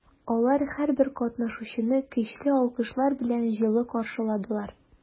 Алар һәрбер катнашучыны көчле алкышлар белән җылы каршыладылар.